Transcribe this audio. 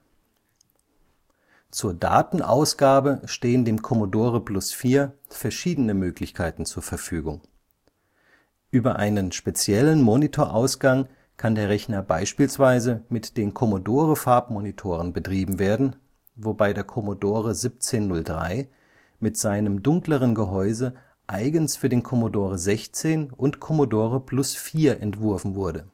Zur Datenausgabe stehen dem Commodore Plus/4 verschiedene Möglichkeiten zur Verfügung: Über einen speziellen Monitorausgang kann der Rechner beispielsweise mit den Commodore-Farbmonitoren betrieben werden, wobei der Commodore 1703 mit seinem dunkleren Gehäuse eigens für den Commodore 16 und Commodore Plus/4 entworfen wurde